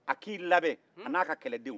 a k'i labɛn a n'a ka kɛlɛdenw